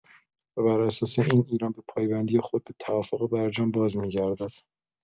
و بر اساس این، ایران به پایبندی خود به توافق برجام بازمی‌گردد.